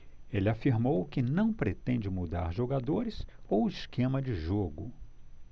ele afirmou que não pretende mudar jogadores ou esquema de jogo